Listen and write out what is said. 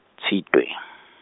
Tshitwe.